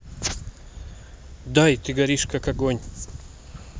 дай ты горишь как огонь